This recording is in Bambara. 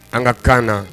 An ka kaana